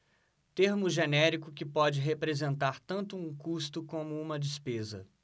termo genérico que pode representar tanto um custo como uma despesa